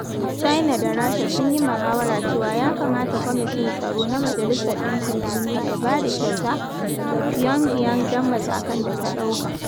China da Rasha sun yi mahawara cewa ya kamata Kwamitin Tsaro na Majalisar Ɗinkin Duniya ya ba da kyauta ga Pyongyang don matakan da ta ɗauka.